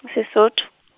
e Sesotho.